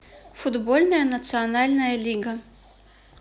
футбольная национальная лига